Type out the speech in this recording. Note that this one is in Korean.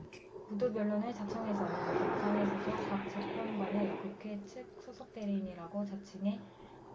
구두변론을 자청해서는 단상에 서서 강 재판관을 국회 측 수석대리인이라고 지칭해 물의를 빚었다